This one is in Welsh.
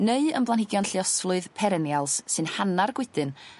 neu yn blanhigion lluosflwydd perenials sy'n hannar gwydyn